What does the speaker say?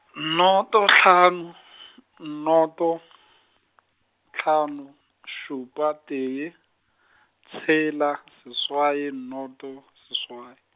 noto hlano , noto , hlano, šupa tee , tshela seswai noto, seswai.